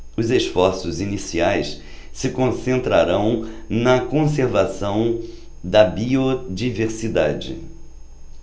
os esforços iniciais se concentrarão na conservação da biodiversidade